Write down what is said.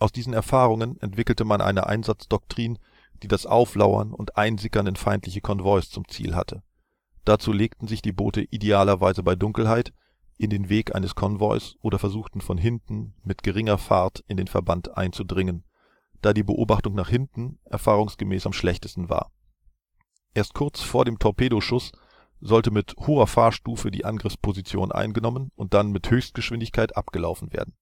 diesen Erfahrungen entwickelte man eine Einsatzdoktrin, die das Auflauern und Einsickern in feindliche Konvois zum Ziel hatte. Dazu legten sich die Boote idealerweise bei Dunkelheit in den Weg eines Konvois oder versuchten von hinten mit geringer Fahrt in den Verband einzudringen, da die Beobachtung nach hinten erfahrungsgemäß am Schlechtesten war. Erst kurz vor dem Torpedoschuss sollte mit hoher Fahrtstufe die Angriffsposition eingenommen und dann mit Höchstgeschwindigkeit abgelaufen werden